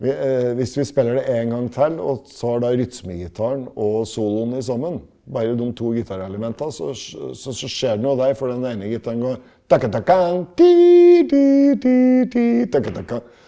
v vi hvis vi spiller det en gang til og tar den rytmegitaren og soloen i sammen bare dem to gitarelementene så så så skjer det noe der fordi den ene gitaren går .